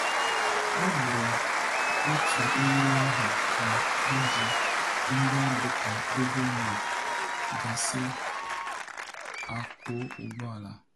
Ọ bụ otu ihe ahụ ka ịji ngwa dịka Google Map gasị akwọ ụgbọala.